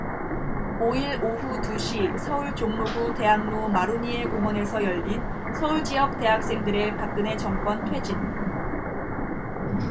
오 일 오후 두 시 서울 종로구 대학로 마로니에 공원에서 열린 서울지역 대학생들의 박근혜 정권 퇴진